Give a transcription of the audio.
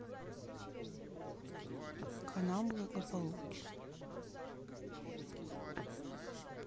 канал благополучный